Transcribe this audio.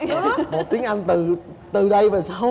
một tiếng anh từ từ đây về sau